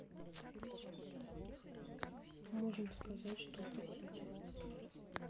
можно скажите что хотите